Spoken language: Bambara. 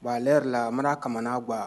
Bon ale yɛrɛ la a mara kamana kuwa